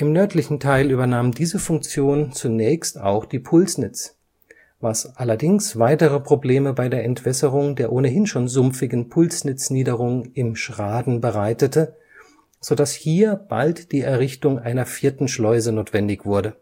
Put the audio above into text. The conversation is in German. nördlichen Teil übernahm diese Funktion zunächst auch die Pulsnitz, was allerdings weitere Probleme bei der Entwässerung der ohnehin schon sumpfigen Pulsnitzniederung im Schraden bereitete, sodass hier bald die Errichtung einer vierten Schleuse notwendig wurde